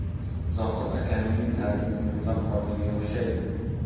zohid akangning tagi qimirlab qolganga o'xshaydi